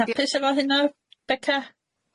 Hapus efo hynna Beca?